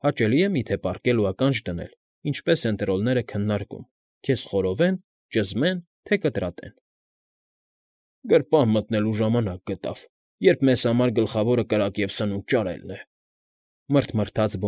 Հաճելի՞ է միթե պառկել ու ականջ դնել, ինչպես են տրոլները քննարկում՝ քեզ խորովե՞ն, ճզմե՞ն, թե՞ կտրատեն։ ֊ Գրպան մտնելու ժամանակ գտավ, երբ մեզ համար գլխավորը կրակ և սնունդ ճարելն է,֊ մրթմրթաց։